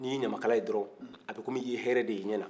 i ye ɲamakala ye dɔrɔn i bɛ kɔmi i hɛrɛ de y'i ɲɛna